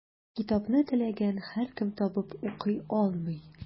Китапны теләгән һәркем табып укый алмый.